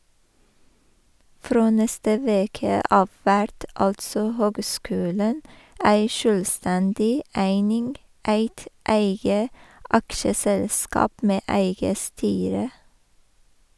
Frå neste veke av vert altså høgskulen ei sjølvstendig eining , eit eige aksjeselskap med eige styre.